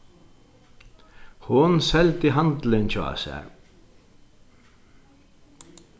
hon seldi handilin hjá sær